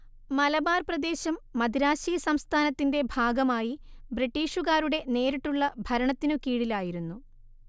മലബാർ പ്രദേശം മദിരാശി സംസ്ഥാനത്തിന്റെ ഭാഗമായി ബ്രിട്ടീഷുകാരുടെ നേരിട്ടുള്ള ഭരണത്തിനു കീഴിലായിരുന്നു